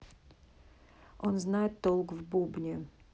он знает толк в бубне